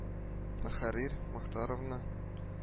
Мөхәррир Мохтаровны